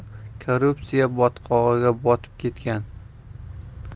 korrupsiya botqog'iga botib ketgan